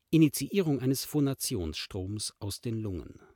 Initiierung eines Phonationsstroms aus den Lungen